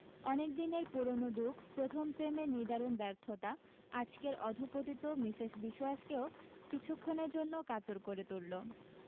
অনেক দিনের পুরোনো দুখ প্রথম প্রেমের নিদারুণ ব্যর্থতা আজকের অধপতিত মিসেস বিশোয়াসকেও কিছুক্ষণের জন্য কাতর করে তুললো